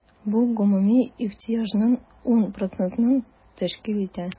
Бу гомуми ихтыяҗның 10 процентын тәшкил итә.